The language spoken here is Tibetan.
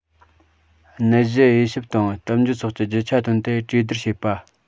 ནད གཞི དབྱེ ཞིབ དང གཏམ རྒྱུད སོགས ཀྱི རྒྱུ ཆ བཏོན ཏེ གྲོས སྡུར བྱེད པ